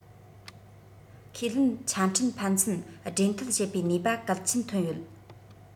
ཁས ལེན ཆ འཕྲིན ཕན ཚུན འབྲེལ མཐུད བྱེད པའི ནུས པ གལ ཆེན ཐོན ཡོད